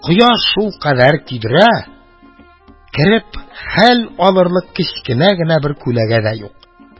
Кояш шулкадәр көйдерә, кереп хәл алырлык кечкенә генә бер күләгә дә юк.